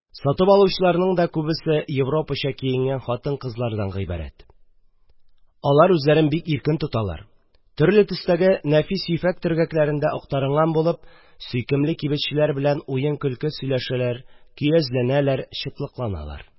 Сатып алучыларның да күбесе европача киенгән хатын-кызлардан гыйбарәт; алар үзләрен бик иркен тоталар, төрле төстәге нәфис ефәк төргәкләрендә актарынган булып, сөйкемле кибетчеләр белән уен-көлке сөйләшәләр, көязләнәләр, чытлыкланалар.